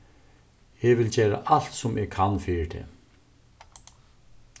eg vil gera alt sum eg kann fyri teg